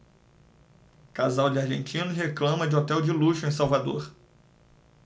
casal de argentinos reclama de hotel de luxo em salvador